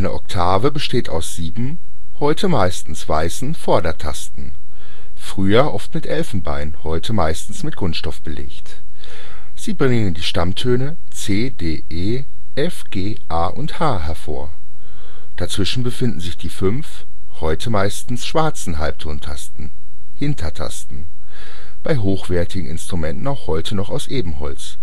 Oktave besteht aus sieben (heute meistens weißen) Vordertasten - (früher oft mit Elfenbein, heute meistens mit Kunststoff belegt). Sie bringen die Stammtöne c-d-e-f-g-a-h hervor. Dazwischen befinden sich die fünf (heute meistens schwarzen) Halbtontasten - Hintertasten (bei hochwertigen Instrumenten auch heute noch aus Ebenholz